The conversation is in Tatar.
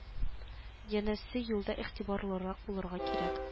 Янәсе юлда игътибарлырак булырга кирәк